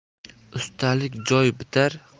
ustalik joy bitar